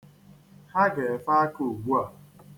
Ha ga-efe aka ugbua.